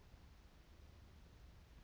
посмотреть хороший мультик